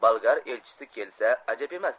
bolgar elchisi kelsa ajab emas